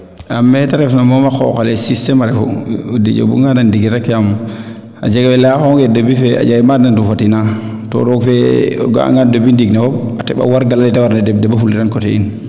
mete refna moom a qooqale systeme a refu Didiers o buga nga nan ndingil rek a jega leya xonge debut fee we maad na nduufa tina to roog fe o ga a ngaan debut ndiing ne fop a teɓ wargala le te warna deɓ deɓafuliran coté in